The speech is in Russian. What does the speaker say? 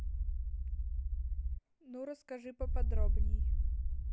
ну расскажи поподробней